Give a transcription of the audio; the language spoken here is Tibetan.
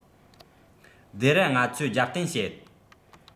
སྡེ ར ང ཚོས རྒྱབ རྟེན བྱེད